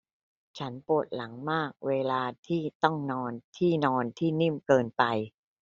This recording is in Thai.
ฉันปวดหลังมากเวลาที่ต้องนอนที่นอนที่นิ่มเกินไป